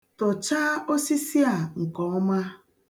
Tụchaa osisi ahụ nkeọma.